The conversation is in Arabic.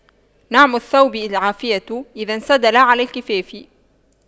نعم الثوب العافية إذا انسدل على الكفاف